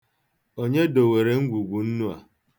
Onye dowere ngwugwu nnu a?